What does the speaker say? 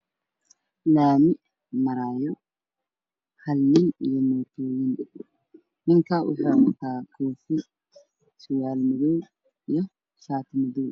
Walaamin midabkiisu yahay midow waxay maraayo nin wato dhar madow